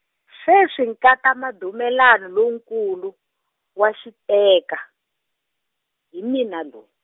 sweswi nkata Madumelani lonkulu, wa xiteka, hi mina loyi.